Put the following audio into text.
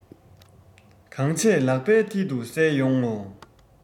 གང བྱས ལག པའི མཐིལ དུ གསལ ཡོང ངོ